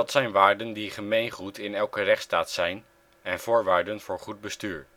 zijn waarden die gemeengoed in elke rechtsstaat zijn en voorwaarden voor goed bestuur